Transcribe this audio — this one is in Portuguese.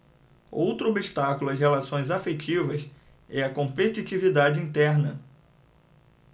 outro obstáculo às relações afetivas é a competitividade interna